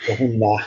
Do' hwnna.